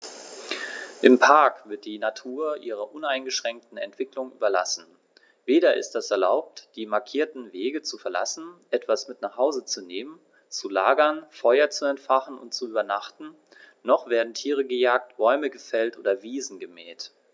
Im Park wird die Natur ihrer uneingeschränkten Entwicklung überlassen; weder ist es erlaubt, die markierten Wege zu verlassen, etwas mit nach Hause zu nehmen, zu lagern, Feuer zu entfachen und zu übernachten, noch werden Tiere gejagt, Bäume gefällt oder Wiesen gemäht.